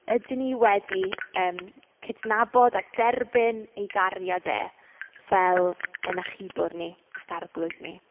Ydyn ni wedi yym cydnabod a derbyn ei gariad e fel ein achubwr ni ac arglwydd ni?